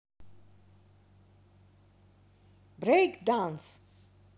брейк данс